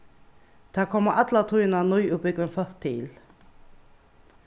tað koma alla tíðina nýútbúgvin fólk til